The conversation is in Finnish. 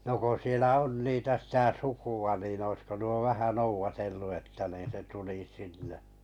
no kun siellä on niitä sitä sukua niin olisiko nuo vähän noudatellut että niin se tuli sinne